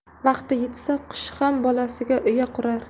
vaqti yetsa qush ham bolasiga uya qurar